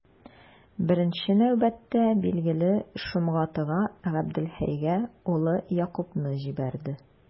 Беренче нәүбәттә, билгеле, Шомгатыга, Габделхәйгә улы Якубны җибәрде.